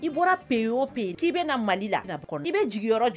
I bɔra peyyɔ pe yen k'i bɛna na mali la i bɛ yɔrɔ jɔ